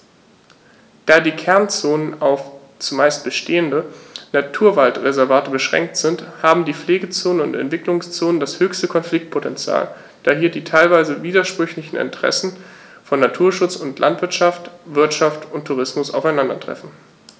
Da die Kernzonen auf – zumeist bestehende – Naturwaldreservate beschränkt sind, haben die Pflegezonen und Entwicklungszonen das höchste Konfliktpotential, da hier die teilweise widersprüchlichen Interessen von Naturschutz und Landwirtschaft, Wirtschaft und Tourismus aufeinandertreffen.